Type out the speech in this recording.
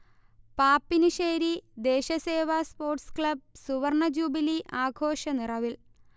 Pappinisseri Desa Seva sports club സുവർണജൂബിലി ആഘോഷനിറവിൽ